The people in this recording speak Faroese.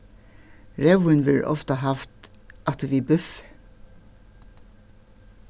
reyðvín verður ofta havt aftur við búffi